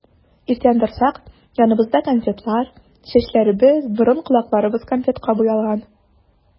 Иртән торсак, яныбызда конфетлар, чәчләребез, борын-колакларыбыз конфетка буялган.